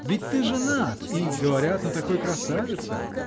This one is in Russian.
Ведь ты женат -- и, говорят, на такой красавице!